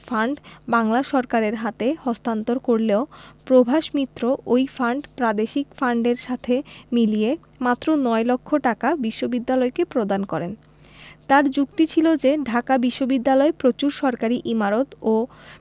fund Bangla সরকারের কাছে হস্তান্তর করলেও প্রভাস মিত্র ওই ফান্ড প্রাদেশিক ফান্ডেলর সাথে মিলিয়ে মাত্র নয় লক্ষ টাকা বিশ্ববিদ্যালয়কে প্রদান করেন তাঁর যুক্তি ছিল যে ঢাকা বিশ্ববিদ্যালয় প্রচুর সরকারি ইমারত ও